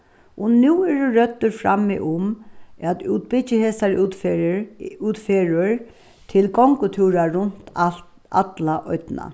og nú eru røddir frammi um at útbyggja hesar útferðir útferðir til gongutúrar runt alt alla oynna